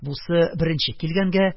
Бусы беренче килгәнгә,